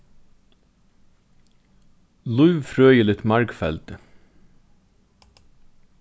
lívfrøðiligt margfeldi